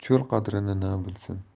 cho'l qadrini na bilsin